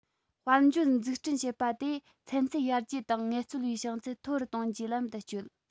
དཔལ འབྱོར འཛུགས སྐྲུན བྱེད པ དེ ཚན རྩལ ཡར རྒྱས དང ངལ རྩོལ པའི བྱང ཚད མཐོ རུ གཏོང རྒྱུའི ལམ དུ སྐྱོད